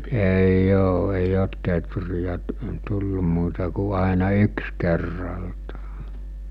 ei ole ei ole teeriä - tullut muuta kuin aina yksi kerrallaan